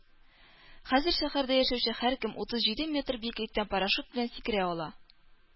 Хәзер шәһәрдә яшәүче һәркем утыз җиде метр биеклектән парашют белән сикерә ала